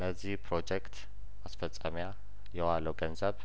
ለዚህ ፕሮጀክት ማስፈጸሚያ የዋለው ገንዘብ